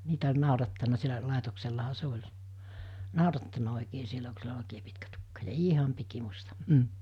niitä oli naurattanut siellä laitoksellahan se oli naurattanut oikein siellä kun sillä oli oikein pitkä tukka ja ihan pikimusta mm